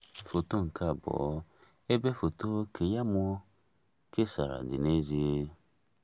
Foto nke 2: Ebe foto Keyamo kesara dị n'ezie.